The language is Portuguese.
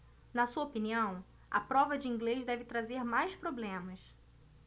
na sua opinião a prova de inglês deve trazer mais problemas